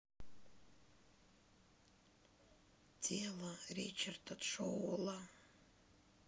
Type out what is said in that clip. дело ричарда джоула